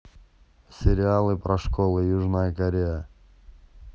сериалы про школы южная корея